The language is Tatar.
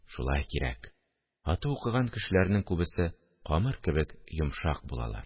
Шулай кирәк! Ату укыган кешеләрнең күбесе камыр кебек йомшак булалар